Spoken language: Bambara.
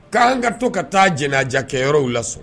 K'an ka to ka taa jja kɛyɔrɔw lasɔrɔ